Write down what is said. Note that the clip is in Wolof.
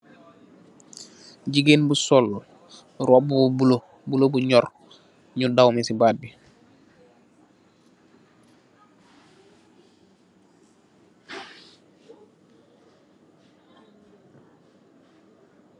Jigeen bu sol roba bu bulo bulo bu nyurr nyu dawmeh si baat bi